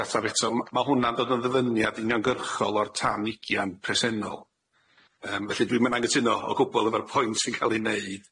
S'ga i traf' eto m- ma' hwnna'n dod yn ddyfyniad uniongyrchol o'r tan ugian presennol yym felly dwi'm yn anghytuno o gwbwl efo'r pwynt sy'n ca'l ei neud.